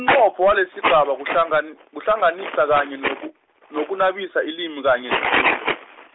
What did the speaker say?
umnqopho walesigaba- kuhlangan- kuhlanganisa, kanye noku- nokunabisa ilimi kanye nefund-.